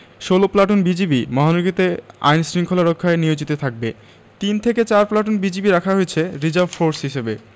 ১৬ platoon BGB মহানগরীতে আইন শৃঙ্খলা রক্ষায় নিয়োজিত থাকবে তিন থেকে চার প্লাটুন বিজিবি রাখা হয়েছে রিজার্ভ ফোর্স হিসেবে